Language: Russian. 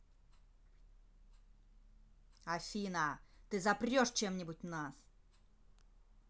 афина ты запрешь чем нибудь нас